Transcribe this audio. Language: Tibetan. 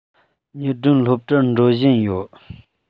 ཉི སྒྲོན སློབ གྲྭར འགྲོ བཞིན ཡོད